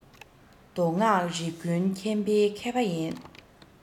མདོ སྔགས རིག ཀུན མཁྱེན པའི མཁས པ ཡིན